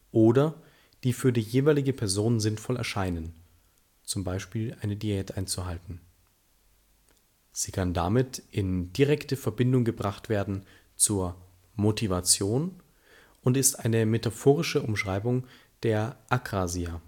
oder die für die jeweilige Person sinnvoll erscheinen (z. B. eine Diät einzuhalten). Sie kann damit in direkte Verbindung gebracht werden zur Motivation und ist eine metaphorische Umschreibung der Akrasia